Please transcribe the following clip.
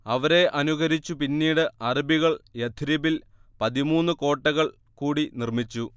അവരെ അനുകരിച്ചു പിന്നീട് അറബികൾ യഥ്രിബിൽ പതിമൂന്നു കോട്ടകൾ കൂടി നിർമ്മിച്ചു